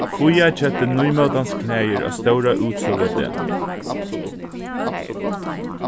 fía keypti nýmótans klæðir á stóra útsøludegnum